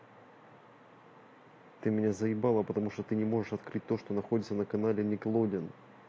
ты меня заебала потому что ты не можешь открыть то то что находится на канале nickelodeon